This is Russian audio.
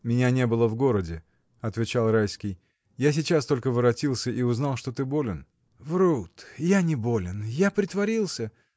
— Меня не было в городе, — отвечал Райский, — я сейчас только воротился и узнал, что ты болен. — Врут, я не болен. Я притворился.